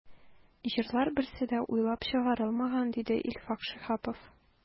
“җырлар берсе дә уйлап чыгарылмаган”, диде илфак шиһапов.